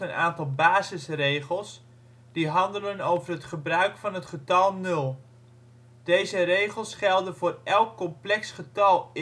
aantal basisregels die handelen over het gebruik van het getal nul. Deze regels gelden voor elk complex getal